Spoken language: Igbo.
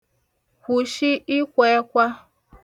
kwụ̀shị ịkwā ẹkwa